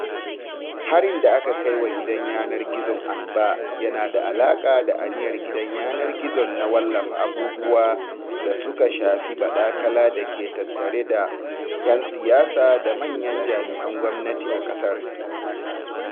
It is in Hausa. Harin da aka kai wa gidan yanar gizon Anbaa yana da alaƙa da aniyar gidan yanar gizon na wallafa abubuwan da suka shafi badaƙala da ke tattare da ‘yan siyasa da manyan jami’an gwamnati a ƙasar.